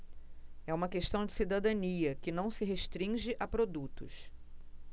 é uma questão de cidadania que não se restringe a produtos